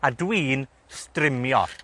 A dwi'n strimio.